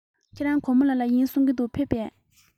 ཁྱེད རང གོར མོ ལ འགྲོ རྒྱུ ཡིན གསུང པས ཕེབས སོང ངམ